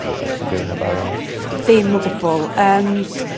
ie allwch chi fyw heb arian. Ddim o gwbwl yym